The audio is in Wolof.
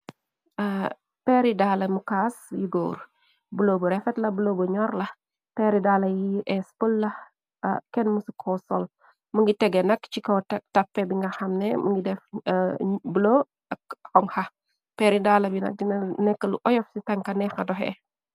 Peeri daala mu kaas yi góor blo bu refet la blobu ñoor la. Peeri daala yi es pëla kenn musiko sol. Mu ngi tege nak ci kow tappe bi nga xamne bulo ak honxa. Peeri daala bina dina nekk lu oyof ci tanka neexa doxe.